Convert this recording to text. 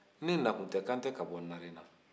n ye nakuntɛ kantɛ ka b narena